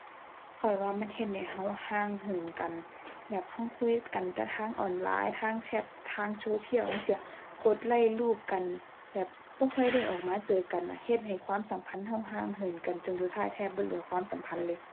ข้อยว่ามันเฮ็ดให้เราห่างเหินกัน แบบเราคุยกันแต่ทางออนไลน์ ทางแชต ทางโซเชียลจั่งซี้ กดไลก์รูปกัน แบบบ่ค่อยได้ออกมาเจอกันน่ะ เฮ็ดให้ความสัมพันธ์เราห่างเหินกันจนสุดท้ายแทบบ่เหลือความสัมพันธ์เลย